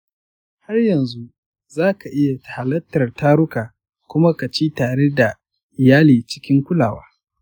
har yanzu za ka iya halartar taruka kuma ka ci tare da iyali cikin kulawa.